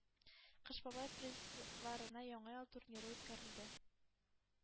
Кыш бабай призларына Яңа ел турниры үткәрелде.